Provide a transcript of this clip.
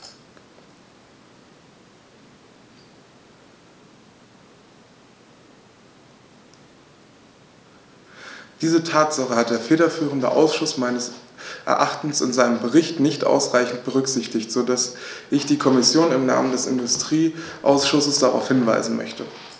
Diese Tatsache hat der federführende Ausschuss meines Erachtens in seinem Bericht nicht ausreichend berücksichtigt, so dass ich die Kommission im Namen des Industrieausschusses darauf hinweisen möchte.